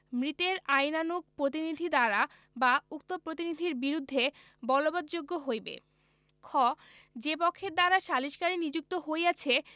মৃতের আইনানুগ প্রতিনিধি দ্বারা বা উক্ত প্রতিনিধির বিরুদ্ধে বলবৎযোগ্য হইবে খ যে পক্ষের দ্বারা সালিসকারী নিযুক্ত হইয়াছে